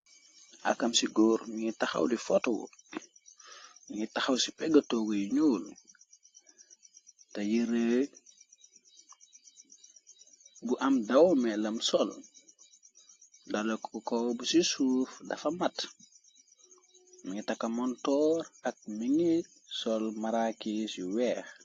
Akam ci góor mingi taxaw di foto mingi taxaw ci pegatoogu yu ñuol te yiree bu am dawomelam sol dalaku kow bu ci suuf dafa mat mingi taka montoor ak mingi sol maraakies yi weex.